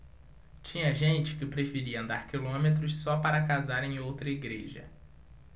tinha gente que preferia andar quilômetros só para casar em outra igreja